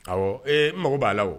Aw ee mago b'a la